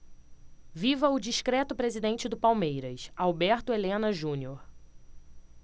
viva o discreto presidente do palmeiras alberto helena junior